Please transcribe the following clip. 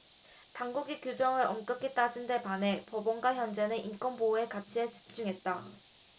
당국이 규정을 엄격히 따진 데 반해 법원과 헌재는 인권보호의 가치에 집중했다